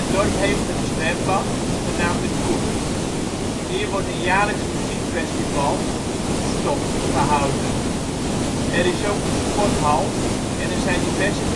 dorp heeft een zwembad, genaamd de Koet. Hier wordt een jaarlijks muziekfestival, ' Koetstock ', gehouden. Er is ook een sporthal en er zijn diverse middenstanders